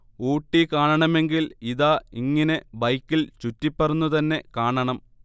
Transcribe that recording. ഊട്ടി കാണണമെങ്കിൽ ഇതാ, ഇങ്ങിനെ ബൈക്കിൽ ചുറ്റിപ്പറന്നു തന്നെ കാണണം